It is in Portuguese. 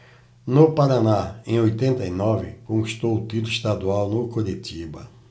no paraná em oitenta e nove conquistou o título estadual no curitiba